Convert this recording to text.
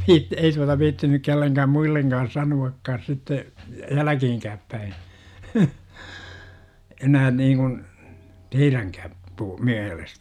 - ei tuota viitsi nyt kenellekään muillekaan sanoakaan sitten jälkeenkään päin enää niin kuin teidänkään - mielestä